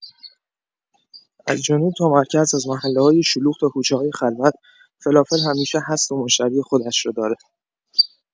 از جنوب تا مرکز، از محله‌های شلوغ تا کوچه‌های خلوت، فلافل همیشه هست و مشتری خودش رو داره.